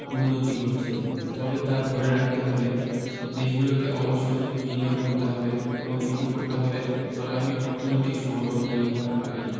উন্নতি ঘটছে তবে তা ধরে রাখতে হলে দেশগুলোকে অবশ্যই বিনিয়োগ করতে হবে এবং এটি করতে হবে আগামী অর্থনৈতিক সংকট তৈরি হওয়ার আগেই